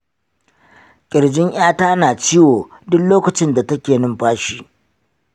kirjin 'yata na ciwo duk lokacin da take numfashi.